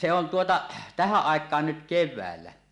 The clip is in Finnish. se on tuota tähän aikaan nyt keväällä